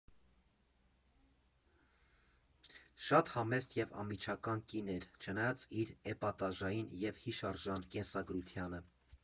Շատ համեստ և անմիջական կին էր, չնայած իր էպատաժային և հիշարժան կենսագրությանը։